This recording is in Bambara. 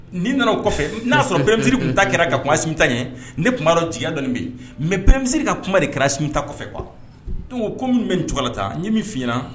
N'i nana o kɔfɛ n'a'a sɔrɔ bɛbsiriri tun ta kɛra ka kumam tan ye ne tun b' dɔn jigiya dɔnni bɛ yen mɛ bɛbsiriri ka kuma de kɛra sita kɔfɛ wa komi minnu bɛ cogoyala tan ye min fɔ i ɲɛna